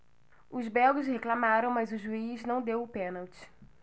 os belgas reclamaram mas o juiz não deu o pênalti